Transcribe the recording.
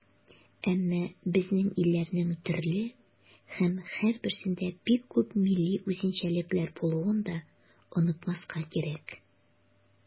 Әмма безнең илләрнең төрле һәм һәрберсендә бик күп милли үзенчәлекләр булуын да онытмаска кирәк.